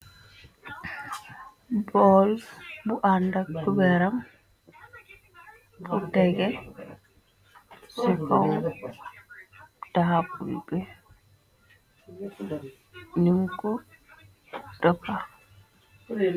Bol bu anda cuberam futege ce fow taab be nunko doppa.